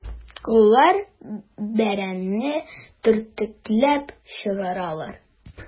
Коллар бәрәнне төрткәләп чыгаралар.